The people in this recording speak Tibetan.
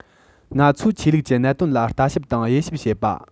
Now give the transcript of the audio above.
ང ཚོས ཆོས ལུགས ཀྱི གནད དོན ལ ལྟ ཞིབ དང དབྱེ ཞིབ བྱེད པ